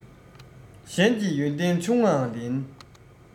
གཞན གྱི ཡོན ཏན ཆུང ངུའང ལེན